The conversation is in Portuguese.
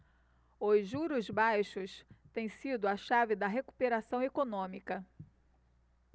os juros baixos têm sido a chave da recuperação econômica